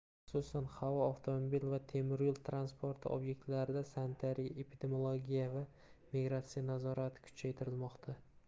xususan havo avtomobil va temir yo'l transporti obyektlarida sanitariya epidemiologiya va migratsiya nazorati kuchaytirilmoqda